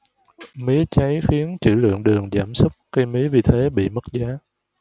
mía cháy khiến trữ lượng đường giảm sút cây mía vì thế bị mất giá